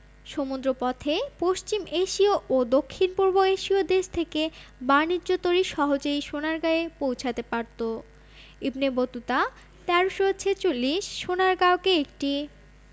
সমুদ্রপথে পশ্চিম এশীয় ও দক্ষিণপূর্ব এশীয় দেশ থেকে বাণিজ্য তরী সহজেই সোনারগাঁয়ে পৌঁছাতে পারত ইবনে বতুতা ১৩৪৬ সোনারগাঁওকে একটি